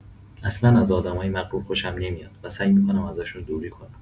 اصلا از آدمای مغرور خوشم نمیاد و سعی می‌کنم ازشون دوری کنم.